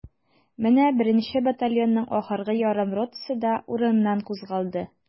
Менә беренче батальонның ахыргы ярым ротасы да урыныннан кузгалды.